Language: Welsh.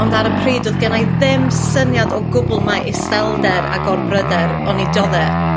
ond ar y pryd do'dd gennai ddim syniad o gwbl ma' iselder a gor bryder oni'n diodde